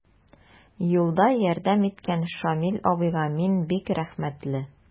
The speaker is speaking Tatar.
Юлда ярдәм иткән Шамил абыйга мин бик рәхмәтле.